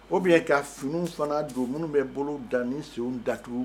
O bɛ ka fini fana don minnu bɛ bolo da dattu